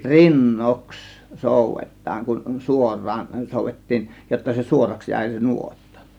rinnoiksi soudetaan kun suoraan soudettiin jotta se suoraksi jäi se nuotta